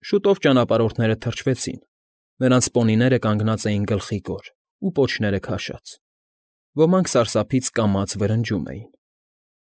Շուտով ճանապարհորդները թրջվեցին, նրանց պոնիները կանգնած էին գլխիկոր ու պոչները քաշած, ոմանք սարսափից կամաց վրնջում էին։